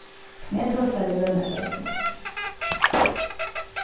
kann eg tosa við lønardeildina